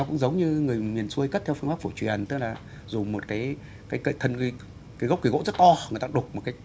nó cũng giống như người miền xuôi cất theo phương pháp cổ truyền tức là dùng một cái thân cái gốc cây gỗ rất to người tác đục một cái